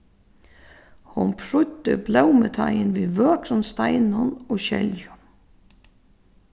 hon prýddi blómuteigin við vøkrum steinum og skeljum